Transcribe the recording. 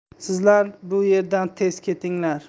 sizlar bu yerdan tez ketinglar